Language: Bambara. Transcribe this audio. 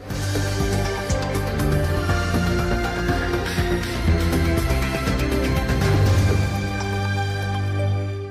Maa